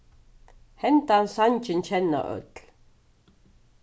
henda sangin kenna øll